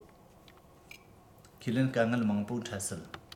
ཁས ལེན དཀའ ངལ མང པོ འཕྲད སྲིད